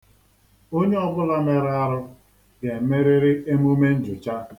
Onye ọbụla mere arụ ga-emerịrị emume njụcha.